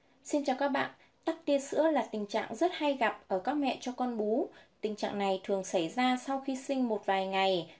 xin chào các bạn tắc tia sữa là tình trạng rất hay gặp ở các mẹ cho con bú tình trạng này thường xảy ra sau khi sinh một vài ngày